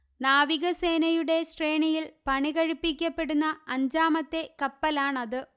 നാവികസേനയുടെ ശ്രേണിയില് പണികഴിപ്പിക്കപ്പെടുന്ന അഞ്ചാമത്തെ കപ്പലാണത്